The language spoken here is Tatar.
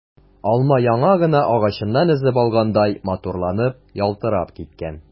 Алма яңа гына агачыннан өзеп алгандай матурланып, ялтырап киткән.